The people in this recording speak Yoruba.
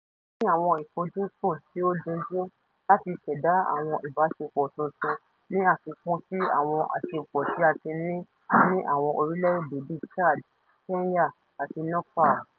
A ní àfojúsùn tí ó dunjún láti ṣẹ̀dá àwọn ìbáṣepọ̀ tuntun ní àfikún sí àwọn àṣepọ̀ tí a ti ní ní àwọn orílẹ̀-èdè bíi Chad, Kenya àti Nepal.